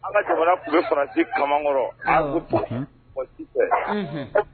Anw la jamana tun bɛ Fransi kamankɔrɔ